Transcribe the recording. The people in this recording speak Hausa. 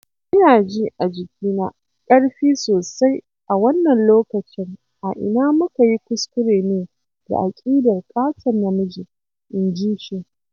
Ina ji a jikina, ƙarfi sosai, a wannan lokacin - a ina muka yi kuskure ne da aƙidar ƙaton namiji?,' inji shi.